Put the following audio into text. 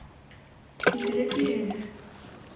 Китереп бирәләр.